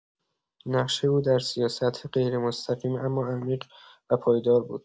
نقش او در سیاست غیرمستقیم اما عمیق و پایدار بود.